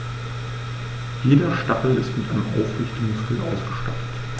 Jeder Stachel ist mit einem Aufrichtemuskel ausgestattet.